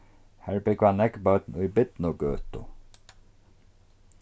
har búgva nógv børn í birnugøtu